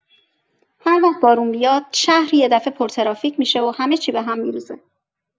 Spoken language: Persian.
هر وقت بارون بیاد، شهر یه دفعه پرترافیک می‌شه و همه چی بهم می‌ریزه.